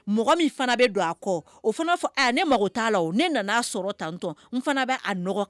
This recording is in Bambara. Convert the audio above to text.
Mɔgɔ min fana bɛ don a kɔ o fana fɔ ne mago t'a la ne nana sɔrɔ tantɔn n fana bɛ a